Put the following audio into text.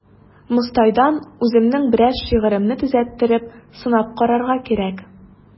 Мостайдан үземнең берәр шигыремне төзәттереп сынап карарга кирәк.